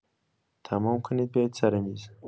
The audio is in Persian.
تموم کنید بیایید سر میز.